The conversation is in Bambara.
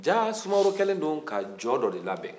jaah sumaworo kɛlen don ka jɔ dɔ de labɛn